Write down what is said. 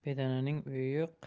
bedananing uyi yo'q